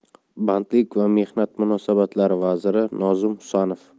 bandlik va mehnat munosabatlari vaziri nozim husanov